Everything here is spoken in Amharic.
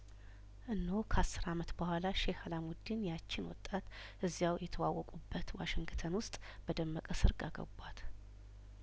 እነሆ ከአስር አመት በኋላ ሼህ አላሙዲን ያቺን ወጣት እዚያው የተዋወቁ በት ዋሽንግተን ውስጥ በደመቀ ሰርግ አገቧት